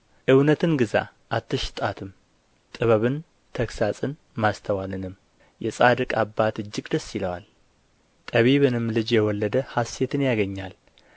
እውነትን ግዛ አትሽጣትም ጥበብን ተግሣጽን ማስተዋልንም የጻድቅ አባት እጅግ ደስ ይለዋል ጠቢብንም ልጅ የወለደ ሐሤትን ያገኛል